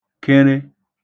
kere